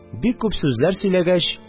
Бик күп сүзләр сөйләгәч